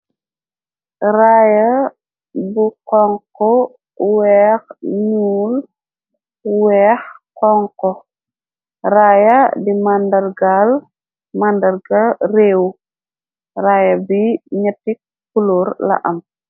Raya bu konko weex nuul weex konko raaya di màndargaal màndarga réew raaya bi ñatti kulóor la am.